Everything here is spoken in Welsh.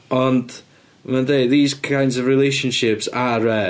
Ond, ma'n deud... these kinds of relationships are rare.